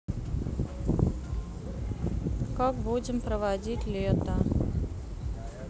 как будем проводить лето